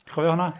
Cofio honna?